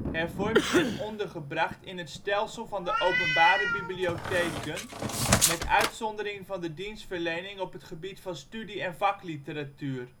hervormd en ondergebracht in het stelsel van de openbare bibliotheken, met uitzondering van de dienstverlening op het gebied van studie - en vakliteratuur